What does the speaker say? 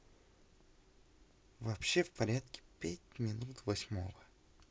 вообще в порядке пять минут восьмого